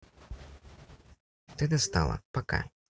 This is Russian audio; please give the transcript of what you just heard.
ты достала пока